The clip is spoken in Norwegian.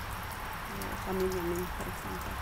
Familien min, for eksempel.